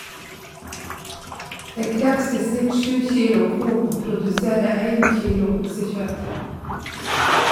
Det krevst i snitt sju kilo korn å produsere ein kilo oksekjøt.